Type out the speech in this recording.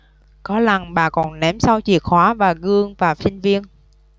có lần bà còn ném xâu chìa khóa và gương vào sinh viên